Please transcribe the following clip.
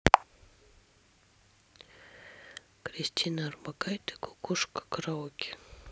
кристина орбакайте кукушка караоке